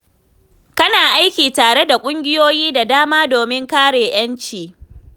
Kana aiki tare da ƙungiyoyi da dama domin kare 'yanci.